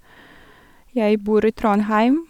Jeg bor i Trondheim.